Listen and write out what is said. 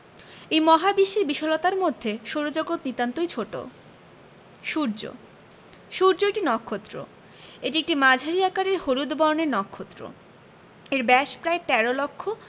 এই মহাবিশ্বের বিশালতার মধ্যে সৌরজগৎ নিতান্তই ছোট সূর্যঃ সূর্য একটি নক্ষত্র এটি একটি মাঝারি আকারের হলুদ বর্ণের নক্ষত্র এর ব্যাস প্রায় ১৩ লক্ষ